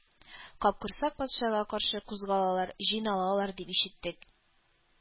Капкорсак патшага каршы кузгалырга җыйналалар дип ишеттек,